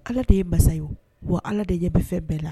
Allah de ye masa ye , wa allah de ɲɛ bɛ fɛn bɛɛ la!